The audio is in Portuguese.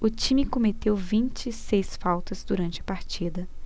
o time cometeu vinte e seis faltas durante a partida